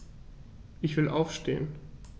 Ich will aufstehen.